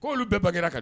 Ko'olu bɛɛ bara kan di